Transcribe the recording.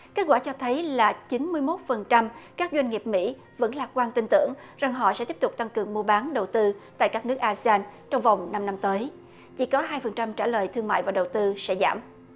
kết quả cho thấy là chín mươi mốt phần trăm các doanh nghiệp mỹ vẫn lạc quan tin tưởng rằng họ sẽ tiếp tục tăng cường mua bán đầu tư tại các nước a si an trong vòng năm năm tới chỉ có hai phần trăm trả lời thương mại và đầu tư sẽ giảm